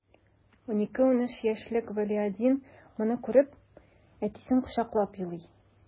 12-13 яшьлек вәлидиан моны күреп, әтисен кочаклап елый...